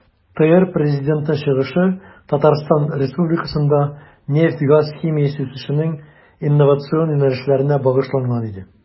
ТР Президенты чыгышы Татарстан Республикасында нефть-газ химиясе үсешенең инновацион юнәлешләренә багышланган иде.